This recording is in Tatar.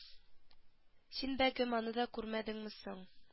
Син бәгем аны күрмәдеңме соң